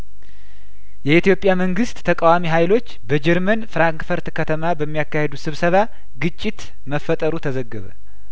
የኢትዮጵያ መንግስት ተቃዋሚ ሀይሎች በጀርመን ፍራንክፈርት ከተማ በሚያካሄዱት ስብሰባ ግጭት መፈጠሩ ተዘገበ